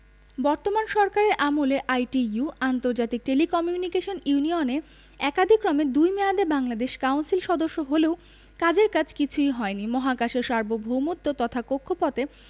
বর্তমান সরকারের আমলে আইটিইউ আন্তর্জাতিক টেলিকমিউনিকেশন ইউনিয়ন এ একাদিক্রমে দুই মেয়াদে বাংলাদেশ কাউন্সিল সদস্য হলেও কাজের কাজ কিছুই হয়নি মহাকাশের সার্বভৌমত্ব তথা কক্ষপথে